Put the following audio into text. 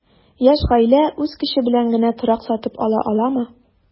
Яшь гаилә үз көче белән генә торак сатып ала аламы?